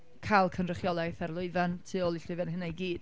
cael cynrychiolaeth ar lwyfan, tu ôl i'r llwyfan, hynna i gyd.